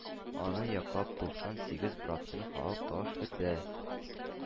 Аны яклап туксан сигез процент халык тавыш бирде.